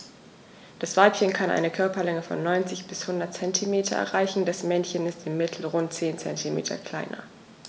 Das Weibchen kann eine Körperlänge von 90-100 cm erreichen; das Männchen ist im Mittel rund 10 cm kleiner.